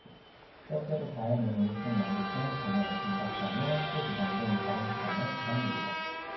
때때로 자해는 우울증 양극성 장애 강박 장애 식욕 이상 등 다른 질환의 부산물이다